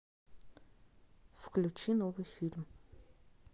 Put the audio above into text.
включи новый фильм